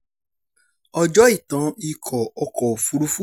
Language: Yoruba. ỌJỌ́ ÌTÀN – Ikọ̀ ọkọ̀ òfuurufú